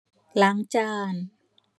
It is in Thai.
ล้างจาน